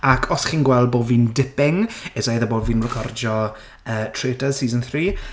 Ac os chi'n gweld bod fi'n dipping, it's either bod fi'n recordio yy 'Traitors' season three...